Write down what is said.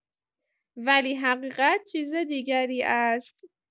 ولی حقیقت چیز دیگری است.